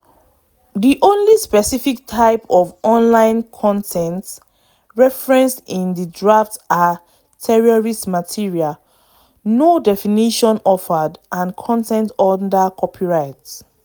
The only specific types of online content referenced in the draft are “terrorist material” (no definition offered) and content under copyright.